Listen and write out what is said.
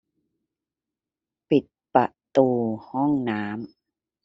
ปิดประตูห้องน้ำ